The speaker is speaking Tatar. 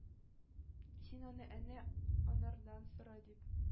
Син аны әнә аңардан сора!-дип,